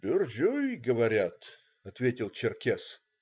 "Бюржюй, говорят",- ответил черкес.